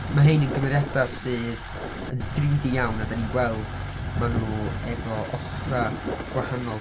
Mae'r rheiny yn gymeriadau sydd yn 3D iawn a dan ni'n gweld, mae nhw efo ochrau gwahanol.